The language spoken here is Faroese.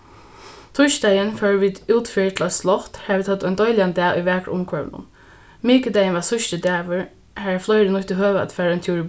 týsdagin fóru vit útferð til eitt slott har vit høvdu ein deiligan dag í vakra umhvørvinum mikudagin var síðsti dagur har fleiri nýttu høvið at fara ein túr í